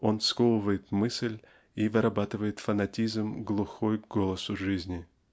он сковывает мысль и вырабатывает фанатизм глухой к голосу жизни.